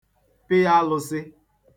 pị alūsị̄